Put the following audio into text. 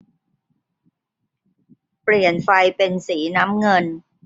เปลี่ยนไฟเป็นสีน้ำเงิน